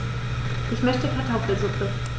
Ich möchte Kartoffelsuppe.